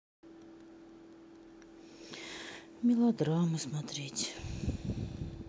мелодрамы смотреть